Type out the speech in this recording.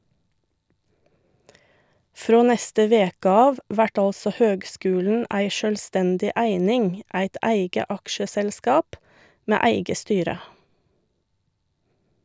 Frå neste veke av vert altså høgskulen ei sjølvstendig eining, eit eige aksjeselskap med eige styre.